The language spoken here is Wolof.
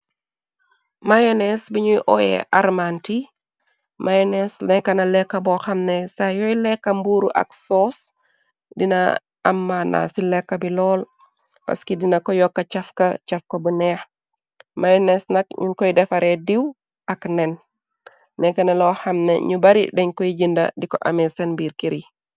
Myonees biñuy ooye armaanti mayonees nekkana lekka boo xamne say yooy lekka mbuuru ak soos dina ammànna ci lekka bi lool paski dina ko yokka cafka cafka bu neex mayones nak ñuñ koy defaree diiw ak nen nekkana loo xam ne ñu bari deñ koy jinda diko amee seen mbiir kir yi.